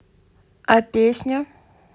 а песня